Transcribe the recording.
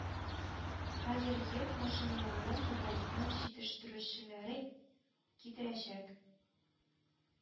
Хәзер йөк машиналарын Татарстан җитештерүчеләре китерәчәк